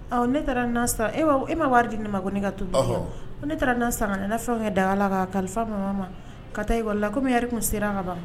Ne taara nan sara e e ma wari di ni ma ko ne ka toɔ ne taara nan san ne fɛn ka daga la kan kalifa mama ma ka taawa la kɔmi komiri kun sera ka ban